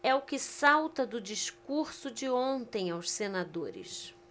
é o que salta do discurso de ontem aos senadores